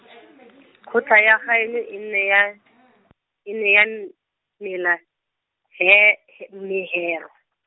kgotla ya ga eno e ne ya, e ne ya n-, mela, he- e mhero.